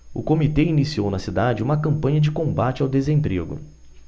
o comitê iniciou na cidade uma campanha de combate ao desemprego